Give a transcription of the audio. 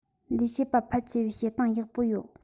ལས བྱེད པ ཕལ ཆེ བའི བྱེད སྟངས ཡག པོ ཡོད